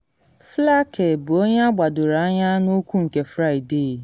Flake bụ onye agbadoro anya n’okwu nke Fraịde.